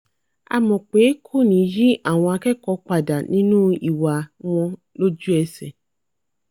A mọ̀pé kòní yí àwọn akẹ́kọ̀ọ́ padà' nínú ìwà wọn lójú-ẹṣẹ̀.